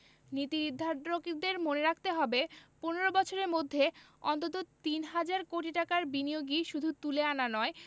নীতিনির্ধারকদের মনে রাখতে হবে ১৫ বছরের মধ্যে অন্তত তিন হাজার কোটি টাকার বিনিয়োগই শুধু তুলে আনা নয়